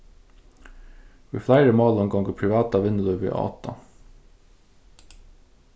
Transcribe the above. í fleiri málum gongur privata vinnulívið á odda